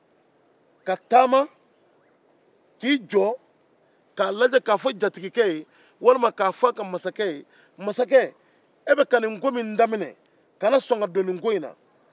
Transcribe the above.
k'i jɔ k'a fo masakɛ ye masakɛ e bɛ ka nin ko min daminɛ kana don nin ko in na